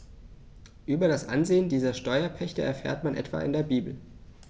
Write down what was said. Über das Ansehen dieser Steuerpächter erfährt man etwa in der Bibel.